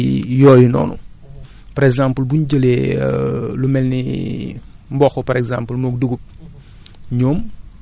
mais léegi bu delloo ci yooyu noonu par exemple buñ jëlee lu mel ni mboq par exemple moog dugub